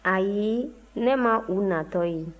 ayi ne ma u natɔ ye